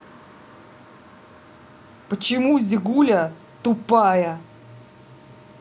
почему зигуля тупая